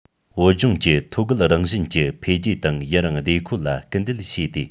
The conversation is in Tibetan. བོད ལྗོངས ཀྱི ཐོད བརྒལ རང བཞིན གྱི འཕེལ རྒྱས དང ཡུན རིང བདེ འཁོད ལ སྐུལ འདེད བྱས ཏེ